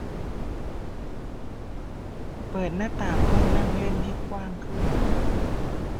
เปิดหน้าต่างห้องนั่งเล่นให้กว้างขึ้น